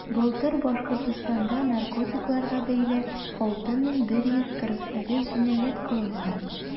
Былтыр Башкортстанда наркотикларга бәйле 6148 җинаять кылынган.